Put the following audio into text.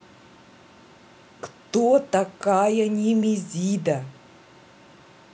кто такая немезида